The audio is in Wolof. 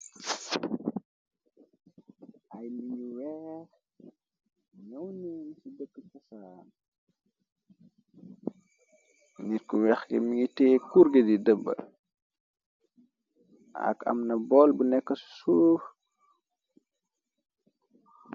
ay niit nu weex new neen ci dake kisaa niit ku weex mingi tee kurge di dabu ak am na bol bu nekk ci souf